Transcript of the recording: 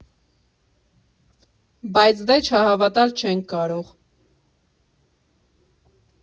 Բայց դե չհավատալ չենք կարող։